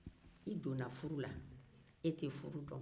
i donna furu la e tɛ furu dɔn